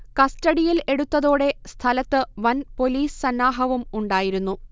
കസ്റ്റഡിയിൽ എടുത്തതോടെ സ്ഥലത്ത് വൻ പൊലീസ് സന്നാഹവും ഉണ്ടായിരുന്നു